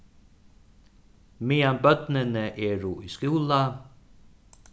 meðan børnini eru í skúla